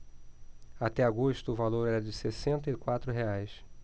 até agosto o valor era de sessenta e quatro reais